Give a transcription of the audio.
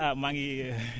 ah maa ngi